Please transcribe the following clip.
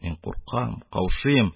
Мин куркам, каушыйм.